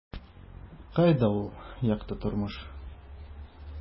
Кайда ул - якты тормыш? ..